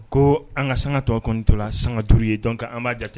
Ko an ka sanka tɔ to la sanka 5 ye donc an b'a jate